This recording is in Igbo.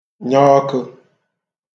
nye ọkə̣